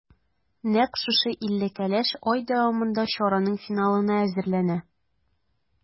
Нәкъ шушы илле кәләш ай дәвамында чараның финалына әзерләнә.